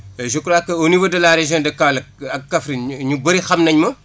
je crois que au niveau de la région de Kaolack ak Kaffrine ñu ñu bëri xam nañ ma